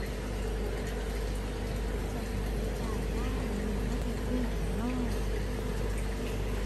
สวัสดีจ้ายาย มื้อนี้มาเฮ็ดอิหยังน้อ